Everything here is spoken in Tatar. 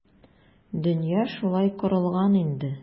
Дөнья шулай корылган инде.